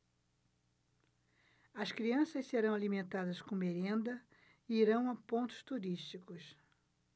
as crianças serão alimentadas com merenda e irão a pontos turísticos